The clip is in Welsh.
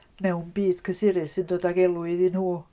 Mewn byd cysurus sydd yn dod ac elw iddyn nhw.